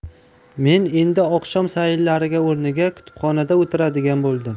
men endi oqshom sayllari o'rniga kutubxonada o'tiradigan bo'ldim